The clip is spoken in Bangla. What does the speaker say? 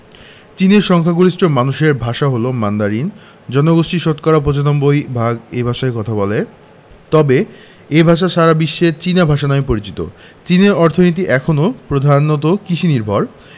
চীনের সংখ্যাগরিষ্ঠ মানুষের ভাষা হলো মান্দারিন জনসমষ্টির শতকরা ৯৫ ভাগ এ ভাষায় কথা বলে তবে এ ভাষা সারা বিশ্বে চীনা ভাষা নামে পরিচিত চীনের অর্থনীতি এখনো প্রধানত কৃষিনির্ভর